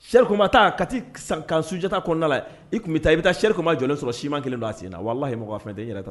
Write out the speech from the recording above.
Serikuma taa ka ka sunjatajatata kɔnɔna la i bɛ taa i bɛ taa serikuma jɔlen sɔrɔ siman kelen don'a sen na wa walalahi mɔgɔmɔgɔ fɛnden yɛrɛ